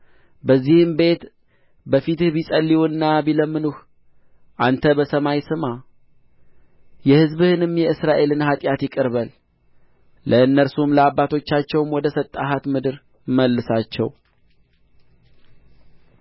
በዚህም ቤት በፊትህ ቢጸልዩና ቢለምኑህ አንተ በሰማይ ስማ የሕዝብህንም የእስራኤልን ኃጢአት ይቅር በል ለእነርሱም ለአባቶቻቸውም ወደ ሰጥሃት ምድር መልሳቸው